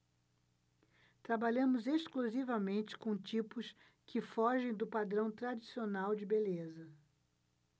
trabalhamos exclusivamente com tipos que fogem do padrão tradicional de beleza